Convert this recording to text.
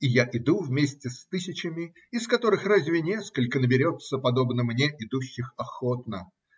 И я иду вместе с тысячами, из которых разве несколько наберется, подобно мне, идущих охотно.